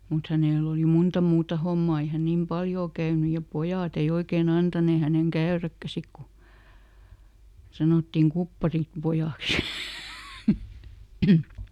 mutta hänellä oli monta muuta hommaa ei hän niin paljon käynyt ja pojat ei oikein antaneet hänen käydäkään sitten kun sanottiin - kupparinpojaksi